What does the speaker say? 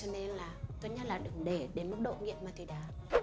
vì thế cho nên là tốt nhất đừng để đến cái mức độ nghiện ma túy đá